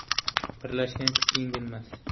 birlashgan kuch yengilmas